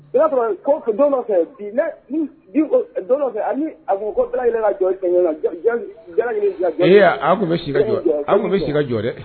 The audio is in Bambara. I y'a don fɛ bi don fɛ a ko ko ala ka jɔn tun bɛ an tun bɛ si ka jɔn dɛ